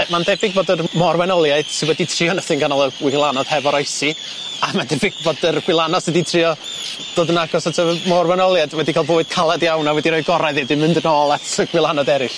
D- ma'n debyg fod yr morwenoliaid sy wedi trio nythu'n ganol y gwylanod hefo'r oesi a ma'n debyg fod yr gwylanod sy di trio dod yn agos at y morwenoliaid wedi ca'l fwyd caled iawn a wedi roi gorau iddi mynd yn ôl at y gwylanod eryll.